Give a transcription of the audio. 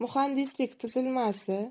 muhandislik tuzilmasi